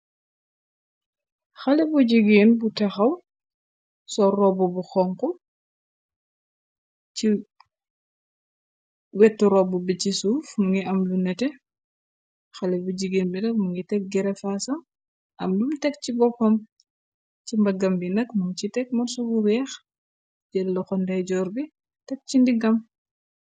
Xale bu jigeen bu texaw sol robb bu xonku ci wett robb bi ci suuf mungi am lu nete. Xale bu jigéen bi nak mu ngi teg gerefaasa am lum teg ci boppam. Ci mbaggam bi nak mun ci teg morso bu weex. Jëlloh ndey joor bi teg ci ndiggam.